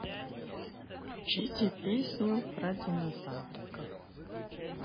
включите песню про динозавриков